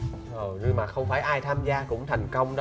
ờ nhưng mà không phải ai tham gia cũng thành công